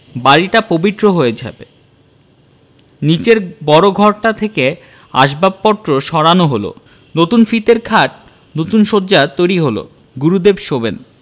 বাড়িটা পবিত্র হয়ে যাবে নীচের বড় ঘরটা থেকে আসবাবপত্র সরানো হলো নতুন ফিতের খাট নতুন শয্যা তৈরি হয়ে এলো গুরুদেব শোবেন